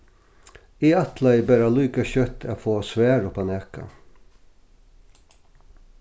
eg ætlaði bara líka skjótt at fáa svar uppá nakað